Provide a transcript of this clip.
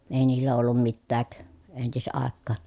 ei niillä ollut mitään entisaikaan